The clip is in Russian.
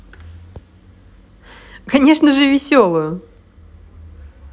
конечно же веселую